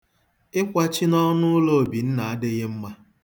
Ịkwachi n'ọnụ ụlọ Obinna adịghị mma.